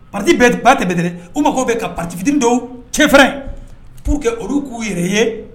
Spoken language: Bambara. Pati ba de bɛdɛrɛ o mako bɛ ka patigikiinin dɔw cɛrinrɛn pou que olu k'u yɛrɛ ye